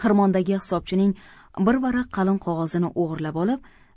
xirmondagi hisobchining bir varaq qalin qog'ozini o'g'irlab olib